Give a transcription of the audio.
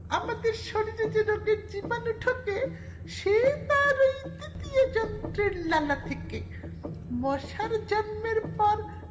আমাদের শরীরে যে রোগে জীবনে ঢুকে সে তার ওই তৃতীয় যন্ত্রের লালা থেকে মশার জন্মের পর